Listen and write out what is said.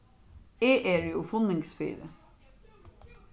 eg eri úr funningsfirði